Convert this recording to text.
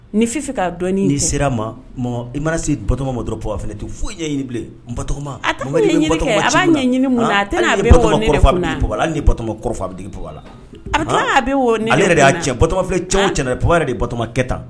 Ni fi fɛ ka dɔɔnin ni sera ma mɔgɔ i mana se batoma mɔ dɔrɔnfɛtu foyi bilenmatomɔ la a a bɛ ni'ma cɛ cɛ detomakɛ tan